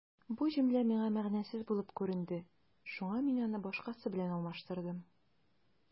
Бу җөмлә миңа мәгънәсез булып күренде, шуңа мин аны башкасы белән алмаштырдым.